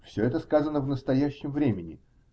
Все это сказано в настоящем времени.